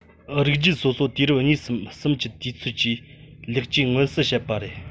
རིགས རྒྱུད སོ སོ དུས རབས གཉིས སམ གསུམ གྱི དུས ཚོད ཀྱིས ལེགས བཅོས མངོན གསལ བྱེད པ རེད